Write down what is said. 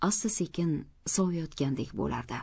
asta sekin soviyotgandek bo'lardi